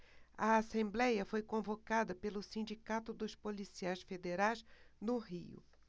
a assembléia foi convocada pelo sindicato dos policiais federais no rio